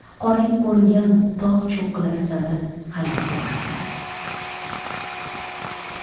qorayib ko'ringan tog' cho'qqilari sari haydab borardi